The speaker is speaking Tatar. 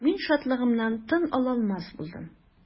Мин шатлыгымнан тын ала алмас булдым.